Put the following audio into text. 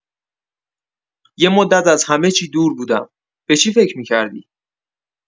یه مدت از همه چی دور بودم، به چی فکر می‌کردی؟